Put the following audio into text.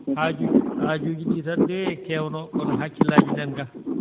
haajuu haajuuji ɗii tan de keewno kono hakkillaaji nanii gaa